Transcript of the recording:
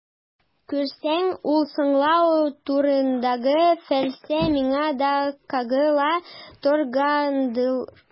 Күрәсең, ул «соңлау» турындагы фәлсәфә миңа да кагыла торгандыр.